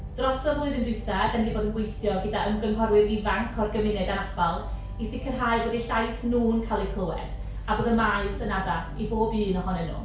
Dros y flwyddyn dwytha, dan ni wedi bod yn gweithio gyda ymgynghorwyr ifanc o'r gymuned anabl i sicrhau bod eu llais nhw'n cael eu clywed, a bod y maes yn addas i bob un ohonyn nhw.